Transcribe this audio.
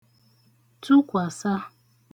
tụkwàsa